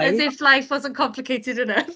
As if life wasn't complicated enough!